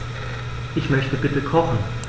Ich möchte bitte kochen.